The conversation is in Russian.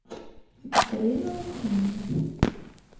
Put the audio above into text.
vitalina украина